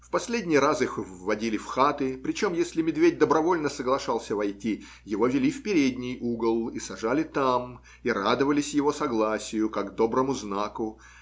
В последний раз их вводили в хаты, причем, если медведь добровольно соглашался войти, его вели в передний угол и сажали там, и радовались его согласию, как доброму знаку